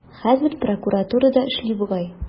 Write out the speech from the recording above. Хәзер прокуратурада эшли бугай.